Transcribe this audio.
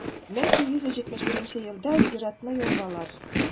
1871 елда зыяратны ябалар.